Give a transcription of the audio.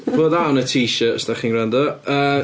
Put that on a t-shirt os ydach chi'n gwrando. Yy...